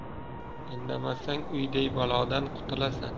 indamasang uyday balodan qutulasan